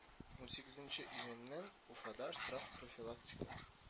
Унсигез июньнән уфада штраф профилактика